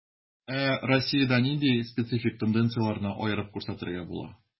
Ә Россиядә нинди специфик тенденцияләрне аерып күрсәтергә була?